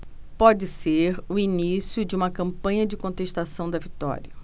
pode ser o início de uma campanha de contestação da vitória